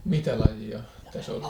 mitä lajia tässä oli